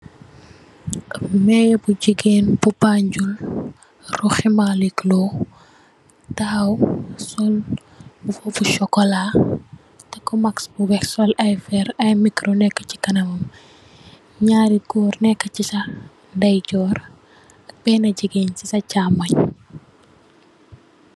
Major bu jigeen bu Banjul Rohey Malick Lowe taxaw sol mbubu bu chocola taka mask mogi sol ay ferr ay micro neka si kanam naari goor neka si sa ndeyejorr ak bena jigeen sisa cxamun.